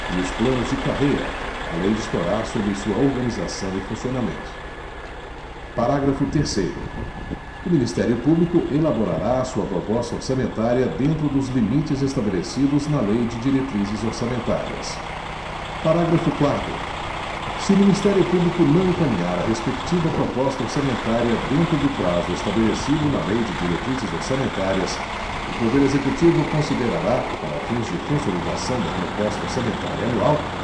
e os planos de carreira a lei disporá sobre sua organização e funcionamento parágrafo terceiro o ministério público elaborará sua proposta orçamentária dentro dos limites estabelecidos na lei de diretrizes orçamentárias parágrafo quarto se o ministério público não encaminhar a respectiva proposta orçamentária dentro do prazo estabelecido na lei de diretrizes orçamentárias o poder executivo considerará para fins de consolidação da proposta orçamentária anual